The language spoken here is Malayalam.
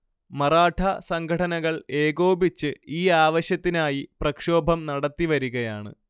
മറാഠാ സംഘടനകൾ ഏകോപിച്ച് ഈ ആവശ്യത്തിനായി പ്രക്ഷോഭം നടത്തിവരികയാണ്